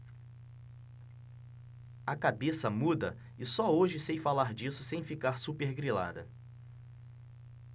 a cabeça muda e só hoje sei falar disso sem ficar supergrilada